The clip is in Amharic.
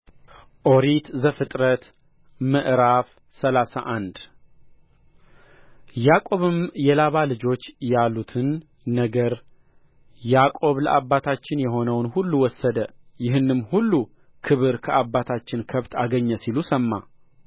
ኦሪት ዘፍጥረት ምዕራፍ ሰላሳ አንድ ያዕቆብም የላባ ልጆች ያሉትን ነገር ያዕቆብ ለአባታችን የሆነውን ሁሉ ወሰደ ይህንም ሁሉ ክብር ከአባታችን ከብት አገኘ ሲሉ ሰማ